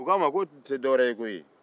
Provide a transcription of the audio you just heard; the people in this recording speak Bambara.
u k'a ma ko nin tɛ dɔwɛrɛ ye koyi